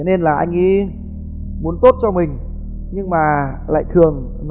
nên là anh ý muốn tốt cho mình nhưng mà lại thường nói